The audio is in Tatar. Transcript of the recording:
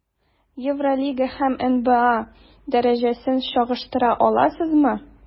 Евролига һәм НБА дәрәҗәсен чагыштыра аласызмы?